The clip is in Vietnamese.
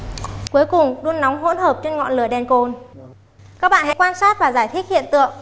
cuối cùng đun nóng hỗn hợp trên ngọn lửa đèn cồn các bạn hãy quan sát và giải thích hiện tượng